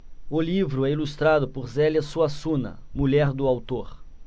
o livro é ilustrado por zélia suassuna mulher do autor